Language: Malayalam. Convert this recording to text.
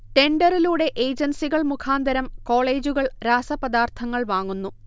ടെൻഡറിലൂടെ ഏജൻസികൾ മുഖാന്തരം കോളേജുകൾ രാസപദാർത്ഥങ്ങൾ വാങ്ങുന്നു